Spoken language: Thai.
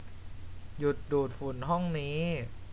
หยุดดูดฝุ่นห้องนี้